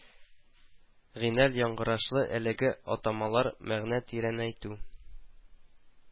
Гиналь яңгырашлы әлеге атамалар мәгънә тирәнәйтү